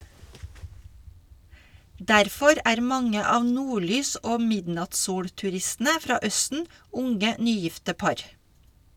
Derfor er mange av nordlys- og midnattssolturistene fra Østen unge, nygifte par.